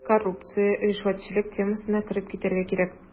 Коррупция, ришвәтчелек темасына кереп китәргә кирәк.